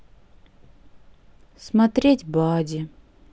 смотреть бади